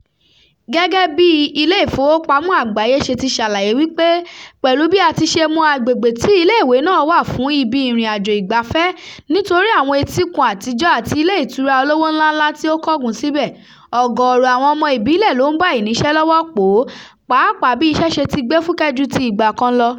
Gẹ́gẹ́ bí Ilé Ìfowópamọ́ Àgbáyé ṣe ti ṣàlàyé wípé, pẹ̀lú bí a ti ṣe mọ agbègbè tí iléèwé náà wà fún ibi ìrìn-àjò ìgbafẹ́ nítorí àwọn etíkun àtijọ́ àti ilé ìtura olówó ńláńlá tí ó kángun síbẹ̀, ọ̀gọ̀rọ̀ àwọn ọmọ ìbílẹ̀ ló ń bá àìníṣẹ́ lọ́wọ́ pò ó pàápàá bí ìṣẹ́ ṣe ti gbé fúkẹ́ ju ti ìgbà kan lọ.